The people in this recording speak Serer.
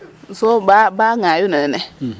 soo ba ba ŋaayuna nene,